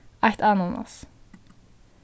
eitt ananas